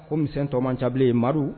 Ko mi tɔma cabilen ye ma